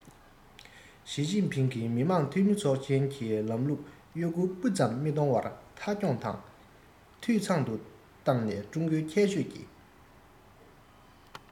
ཞིས ཅིན ཕིང གིས མི དམངས འཐུས མི ཚོགས ཆེན གྱི ལམ ལུགས གཡོ འགུལ སྤུ ཙམ མི གཏོང བར མཐའ འཁྱོངས དང འཐུས ཚང དུ བཏང ནས ཀྲུང གོའི ཁྱད ཆོས ཀྱི